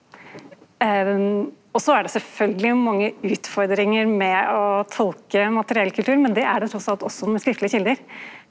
og så er det sjølvsagt mange utfordringar med å tolka materiell kultur men det er det trass alt også med skriftlege kjelder.